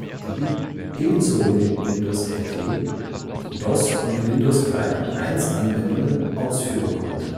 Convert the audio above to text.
die, ebenso wie Windows NT, DOS - und Windows 3.1-Anwendungen ausführen konnte